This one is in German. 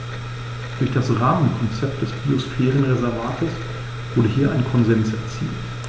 Durch das Rahmenkonzept des Biosphärenreservates wurde hier ein Konsens erzielt.